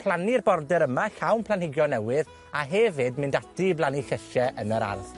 plannu'r border yma llawn planhigion newydd, a hefyd mynd ati i blannu llysie yn yr ardd.